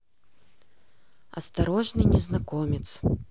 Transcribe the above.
осторожный незнакомец